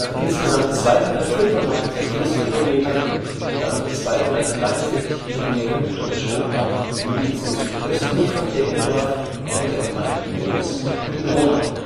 insgesamt 295 Flusskilometern, davon 263 km in Deutschland, mündet sie südöstlich von Deggendorf in der Gemeinde Moos in die Donau